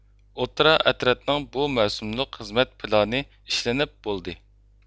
ئوتتۇرا ئەترەتنىڭ بۇ مەۋسۇملۇق خىزمەت پىلانى ئىشلىنىپ بولدى